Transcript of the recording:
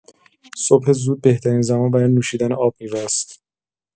صبح زود بهترین زمان برای نوشیدن آب‌میوه است.